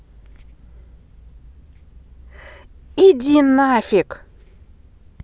иди на фиг